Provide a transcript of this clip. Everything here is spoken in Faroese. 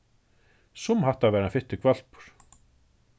sum hatta var ein fittur hvølpur